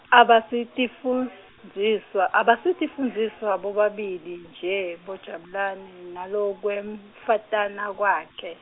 abasitifundziswa, abasitifundziswa bobabili nje boJabulane nalokwemfatana kwakhe.